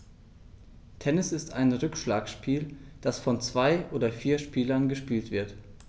Tennis ist ein Rückschlagspiel, das von zwei oder vier Spielern gespielt wird.